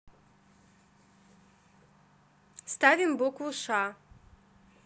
ставим букву ша